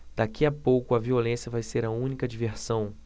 daqui a pouco a violência vai ser a única diversão